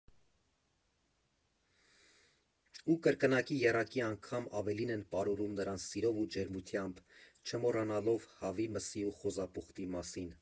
Ու կրկնակի, եռակի անգամ ավելի են պարուրում նրան սիրով ու ջերմությամբ՝ չմոռանալով հավի մսի ու խոզապուխտի մասին։